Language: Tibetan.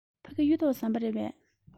ཕ གི གཡུ ཐོག ཟམ པ རེད པས